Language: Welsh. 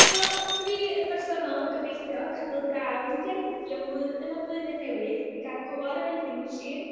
Wel, dwi yn bersonol yn gobeithio cael dod draw i Geredigion flw- yn y flwyddyn newydd, i gael go ar y vending machine.